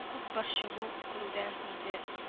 Күп борчылу күрүдән инде